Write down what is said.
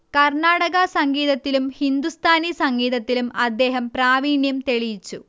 കര്ണാടക സംഗീതത്തിലും ഹിന്ദുസ്ഥാനി സംഗീതത്തിലും അദ്ദേഹം പ്രാവീണ്യം തെളിയിച്ചു